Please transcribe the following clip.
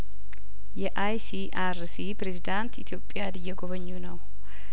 የአይሲ አር ሲፕሬዝዳንት ኢትዮጵያን እየጐበኙ ነው